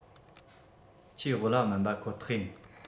ཆེས དབུལ བ མིན པ ཁོ ཐག ཡིན